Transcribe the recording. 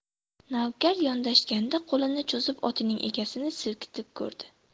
navkar yondashganda qo'lini cho'zib otining egarini silkitib ko'rdi